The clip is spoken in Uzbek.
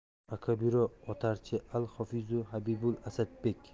akobiru otarchi al hofizu habibul asadbek